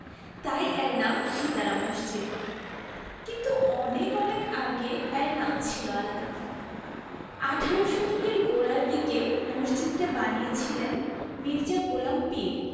তাই এর নাম সিতারা মসজিদ কিন্তু অনেক অনেক আগে এর নাম ছিল আলাদা আঠারো শতকের গোড়ার দিকে মসজিদটা বানিয়েছিলেন মির্জা গোলাম পীর